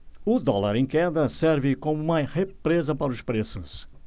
o dólar em queda serve como uma represa para os preços